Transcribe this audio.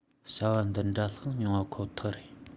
བྱ བ འདི འདྲ ལྷག མྱོང པ ཁོ ཐག རེད